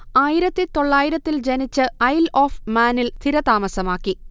ആയിരത്തി തൊള്ളായിരത്തിൽ ജനിച്ച ഐൽ ഒഫ് മാനിൽ സ്ഥിരതാമസമാക്കി